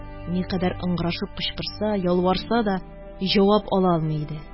Никадәр ыңгырашып кычкырса, ялварса да, җавап ала алмый иде.